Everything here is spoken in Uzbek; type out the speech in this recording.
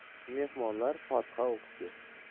mehmonlar fotiha o'qishdi